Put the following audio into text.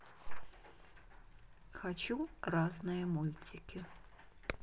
хочу разные мультики